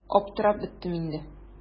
Аптырап беттем инде.